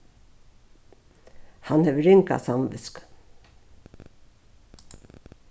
hann hevur ringa samvitsku